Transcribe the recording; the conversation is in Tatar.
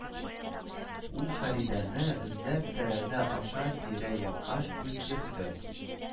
Ул, Фәридәне эзләп, тәрәзә аша тирә-якка күз йөртеп